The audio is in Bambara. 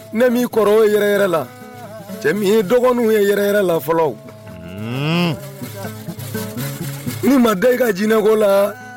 Ne mini kɔrɔ o yɛrɛ yɛrɛ la cɛ ye dɔgɔninw ye yɛrɛ yɛrɛ la fɔlɔ n ma da i ka jinɛinɛko la